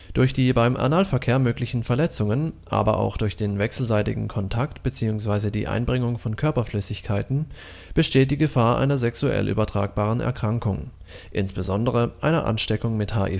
Durch die beim Analverkehr möglichen Verletzungen, aber auch durch den wechselseitigen Kontakt mit bzw. die Einbringung von Körperflüssigkeiten besteht die Gefahr einer sexuell übertragbaren Erkrankung, insbesondere einer Ansteckung mit HIV